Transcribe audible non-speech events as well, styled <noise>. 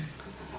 <hesitation> <hesitation>